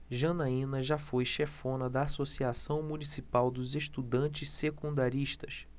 janaina foi chefona da ames associação municipal dos estudantes secundaristas